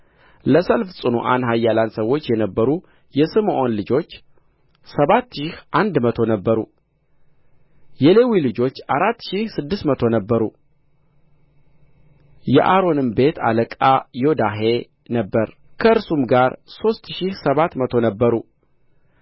ለሰልፍ ጽኑዓን ኃያላን ሰዎች የነበሩ የስምዖን ልጆች ሰባት ሺህ አንድ መቶ ነበሩ የሌዊ ልጆች አራት ሺህ ስድስት መቶ ነበሩ የአሮንም ቤት አለቃ ዮዳሄ ነበረ ከእርሱም ጋር ሦስት ሺህ ሰባት መቶ ነበሩ